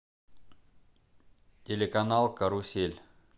телеканал карусель